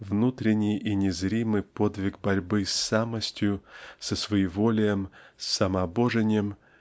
внутренний и незримый подвиг борьбы с самостью с своеволием с самообожением